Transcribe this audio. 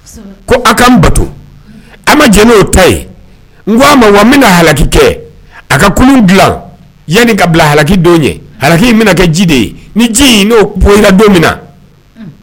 Kosɛbɛ, Ka' ka bato aw diɲɛ n'o ta ye, n k'aw ma wa n bɛna halaki kɛ, a ka kulu dilan yani ka bila halaki don ɲɛ halaki in bɛna kɛ ji de ye ni ji in n'o poyin na don min na, unhun.